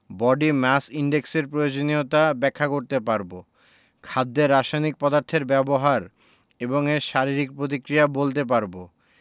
body mass index এর প্রয়োজনীয়তা ব্যাখ্যা করতে পারব খাদ্যে রাসায়নিক পদার্থের ব্যবহার এবং এর শারীরিক প্রতিক্রিয়া বলতে পারব